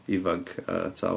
Ifanc a tal.